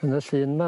...yn y llyn 'ma...